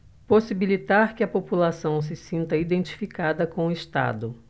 possibilitar que a população se sinta identificada com o estado